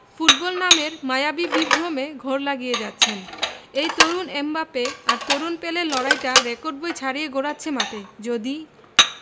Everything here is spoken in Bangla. ফুটবল নামের মায়াবী বিভ্রমে ঘোর লাগিয়ে যাচ্ছেন এই তরুণ এমবাপ্পে আর তরুণ পেলের লড়াইটা রেকর্ড বই ছাড়িয়ে গড়াচ্ছে মাঠে যদি